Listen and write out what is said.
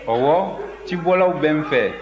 ɔwɔ cibɔlaw bɛ n fɛ